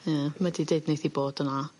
Ie mae 'di deud neith hi bod yna.